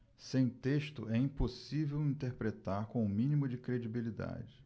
sem texto é impossível interpretar com o mínimo de credibilidade